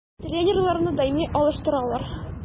Тренерларны даими алыштыралар.